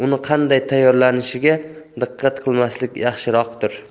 uni qanday tayyorlanishiga diqqat qilmaslik yaxshiroqdir